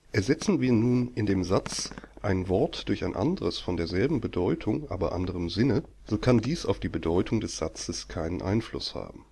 Ersetzen wir nun in [dem Satz] ein Wort durch ein anderes von derselben Bedeutung, aber anderem Sinne, so kann dies auf die Bedeutung des Satzes keinen Einfluss haben